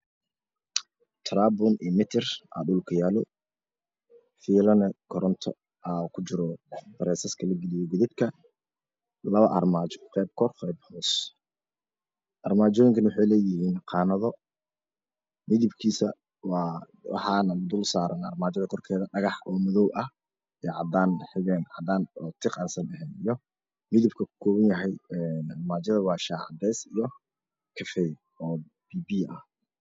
Taraabuli iyo mitir ayaa dhulka yaalo fiilana koronto aya kujiro bareeska lagaliyay godadka laba armaajo qeeybna kor qaybna hoos armaajooyinkana waxa ey leyihiin qaanado midabkiisa waxaana korsaran armaajada dhagax madow ah iyo cadaan oo tiqa ah asan iyo midabka uu kakoban yahay armajada waa cadees iyo kafey biyo biyo ah